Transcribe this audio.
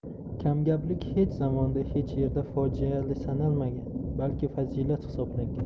kamgaplik hech zamonda hech yerda fojia sanalmagan balki fazilat hisoblangan